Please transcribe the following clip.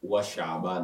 Wa aba